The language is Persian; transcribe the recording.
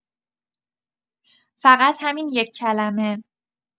فقط همین یک کلمه.